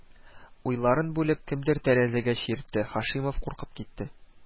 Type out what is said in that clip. Уйларын бүлеп, кемдер тәрәзәгә чиртте, Һашимов куркып китте